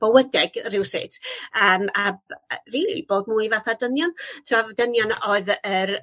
bywydeg rywsut yym a b- yy rili bod mwy fatha dynion t'wo' dynion oedd yr